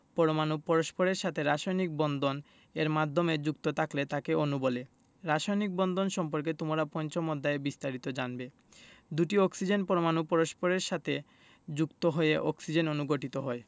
পরমাণু পরস্পরের সাথে রাসায়নিক বন্ধন এর মাধ্যমে যুক্ত থাকলে তাকে অণু বলে রাসায়নিক বন্ধন সম্পর্কে তোমরা পঞ্চম অধ্যায়ে বিস্তারিত জানবে দুটি অক্সিজেন পরমাণু পরস্পরের সাথে যুক্ত হয়ে অক্সিজেন অণু গঠিত হয়